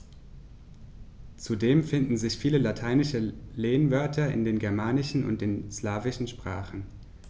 Zudem finden sich viele lateinische Lehnwörter in den germanischen und den slawischen Sprachen.